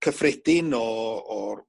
cyffredin o o'r